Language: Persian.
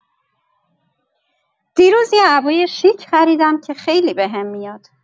دیروز یه عبای شیک خریدم که خیلی بهم میاد.